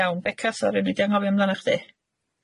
Iawn Beca sori o'n i 'di anghofio amdanach chdi.